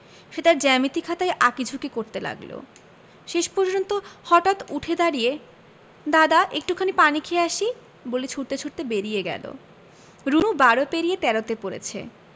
সে তার জ্যামিতি খাতায় আঁকি ঝুকি করতে লাগলো শেষ পর্যন্ত হঠাৎ উঠে দাড়িয়ে দাদা একটুখানি পানি খেয়ে আসি বলে ছুটতে ছুটতে বেরিয়ে গেল রুনু বারো পেরিয়ে তেরোতে পড়েছে